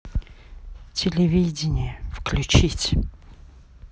телевидение включить